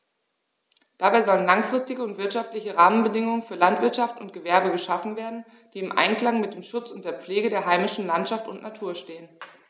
Dabei sollen langfristige und wirtschaftliche Rahmenbedingungen für Landwirtschaft und Gewerbe geschaffen werden, die im Einklang mit dem Schutz und der Pflege der heimischen Landschaft und Natur stehen.